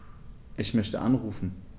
Ich möchte anrufen.